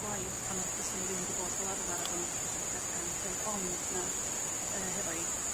gwaith pan o'dd fysan nhw ddim 'di bod fel arfer a bo' nhw 'di gallu c- yrm creu y bond 'na e- yrr hefo'u